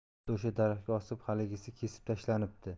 xuddi o'sha daraxtga osib haligisi kesib tashlanibdi